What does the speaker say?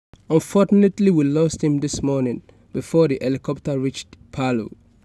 Unfortunately we lost him this morning before the helicopter reached Palu.